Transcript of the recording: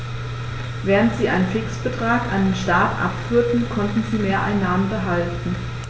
Während sie einen Fixbetrag an den Staat abführten, konnten sie Mehreinnahmen behalten.